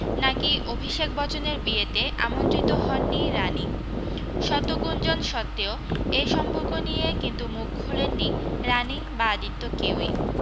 নাকি অভিষেক বচ্চনের বিয়েতে আমন্ত্রিত হননি রানি শত গুঞ্জন সত্ত্বেও এই সম্পর্ক নিয়ে কিন্তু মুখ খোলেননি রানি বা আদিত্য কেউই